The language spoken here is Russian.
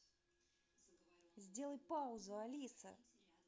сделай паузу алиса